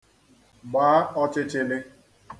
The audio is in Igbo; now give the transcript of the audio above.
gba ọchịchịlị